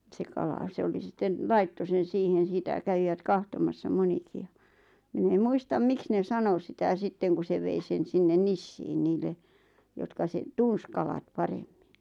se kala se oli sitten laittoi sen siihen sitä kävivät katsomassa monikin ja minä en muista miksi ne sanoi sitä sitten kun se vei sen sinne Nissiin niille jotka sen tunsi kalat paremmin